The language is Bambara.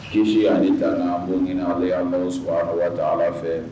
Kisi ani tanga an bɔ ɲini ale Alahu sabaha wataala fɛ